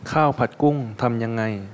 ข้าวผัดกุ้งทำยังไง